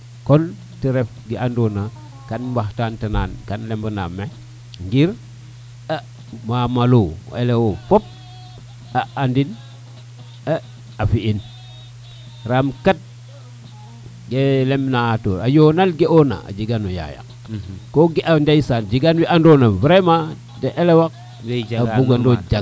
kon te ref ke ando na kan wax tan tana kan lembo na men ngir a mamalo o elew fop a andin a a fi in yaam kat o yenal ga ona a jega no ya yaqko ga an ndeysaan a jegan wen ando na vraiment elew a bugan yo cang